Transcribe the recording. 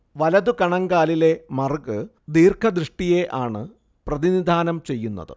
വലതു കണങ്കാലിലെ മറുക് ദീര്ഘദൃഷ്ടിയെ ആണ് പ്രതിനിധാനം ചെയ്യുന്നത്